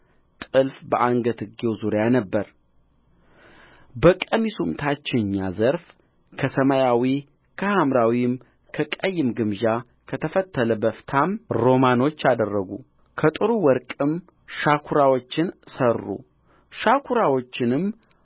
ጥልፍ በአንገትጌው ዙሪያ ነበረ በቀሚሱም ታችኛ ዘርፍ ከሰማያዊ ከሐምራዊም ከቀይም ግምጃ ከተፈተለ በፍታም ሮማኖች አደረጉ ከጥሩ ወርቅም ሻኵራዎችን ሠሩ ሻኵራዎቹንም